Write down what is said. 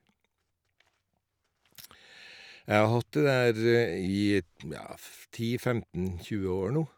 Jeg har hatt det der i, ja, f ti femten tjue år nå.